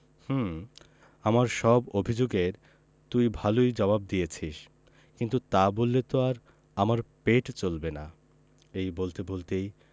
হুম আমার সব অভিযোগ এর তুই ভালই জবাব দিয়ে দিয়েছিস কিন্তু তা বললে তো আর আমার পেট চলবে না এই বলতে বলতেই